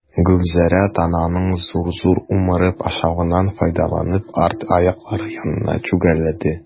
Гөлзәрә, тананың зур-зур умырып ашавыннан файдаланып, арт аяклары янына чүгәләде.